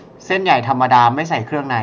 เส้นใหญ่ธรรมดาไม่ใส่เครื่องใน